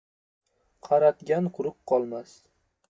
qaratgan quruq qolmas